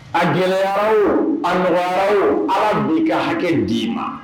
A gɛlɛyara o, a nɔgɔyara o, ala b'i ka hakɛ d'i ma.